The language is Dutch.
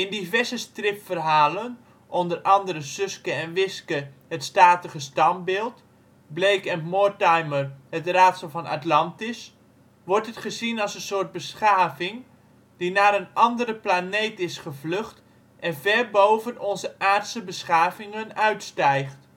diverse stripverhalen (onder andere Suske en Wiske: Het statige standbeeld, Blake en Mortimer: Het Raadsel van Atlantis) wordt het gezien als een soort beschaving die naar een andere planeet is gevlucht en ver boven onze aardse beschavingen uitstijgt